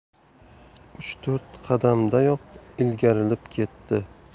uch to'rt qadamdayoq ilgarilab ketdi